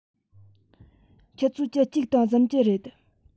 ཆུ ཚོད བཅུ གཅིག སྟེང གཟིམ གྱི རེད